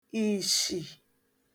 ìshi